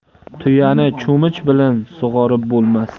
tuyani cho'mich bilan sug'orib bo'lmas